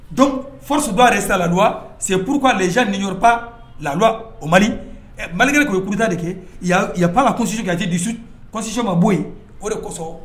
Donc fsi dɔ yɛrɛ se laduwa se purkan zc ni yɔrɔba laduwa o ma malikɛ tun yeta de kɛp lasi tɛ disu kɔsi ma bɔ yen o de kosɔn